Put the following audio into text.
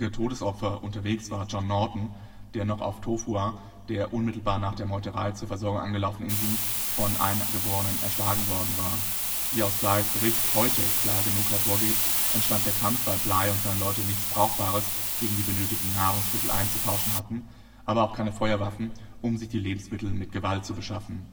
Todesopfer unterwegs war John Norton, der noch auf Tofua, der unmittelbar nach der Meuterei zur Versorgung angelaufenen Insel, von Eingeborenen erschlagen worden war. Wie aus Blighs Bericht (vgl. z. B. Forster 1791) heute klar genug hervorgeht, entstand der Kampf, weil Bligh und seine Leute nichts Brauchbares gegen die benötigten Nahrungsmittel einzutauschen hatten, aber auch keine Feuerwaffen, um sich die Lebensmittel mit Gewalt zu beschaffen